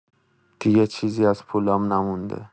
دیگه چیزی از پولام نمونده.